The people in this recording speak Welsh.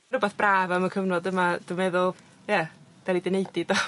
Rwbath braf am y cyfnod yma dw feddwl ie 'dan ni 'di neud 'i do?